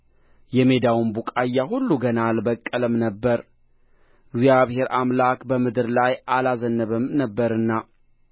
የሜዳውም ቡቃያ ሁሉ ገና አልበቀለም ነበር እግዚአብሔር አምላክ ምድር ላይ አላዘነበም ነበርና